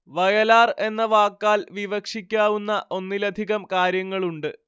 വയലാർ എന്ന വാക്കാൽ വിവക്ഷിക്കാവുന്ന ഒന്നിലധികം കാര്യങ്ങളുണ്ട്